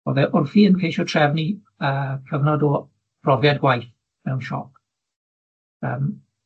O'dd e wrthi yn ceisio trefnu yy cyfnod o brofiad gwaith mewn siop yym